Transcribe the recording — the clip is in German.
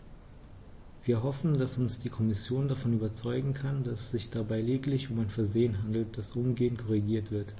Wir hoffen, dass uns die Kommission davon überzeugen kann, dass es sich dabei lediglich um ein Versehen handelt, das umgehend korrigiert wird.